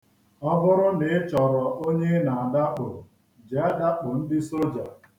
Ọ bụrụ na ị chọrọ onye ị na-adakpo, jee dakpo ndị soja.